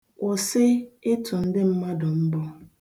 Kwụsị ịtụ ndị mmadụ mbọ.